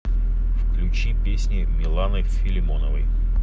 включи песни миланы филимоновой